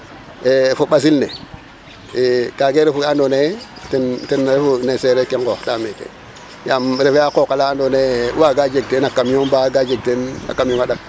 fo ɓasil ne i kaaga refu we andoonaye ten ten refu ne Seereer ke nqooxta meeke yaam refee a qooq ala andoona yee waaga jeg teen na camion mbaa waaga jeg teen a camion a ɗaq.